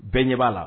Bɛɛ ɲɛ b'a la